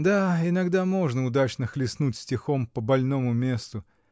— Да, иногда можно удачно хлестнуть стихом по больному месту.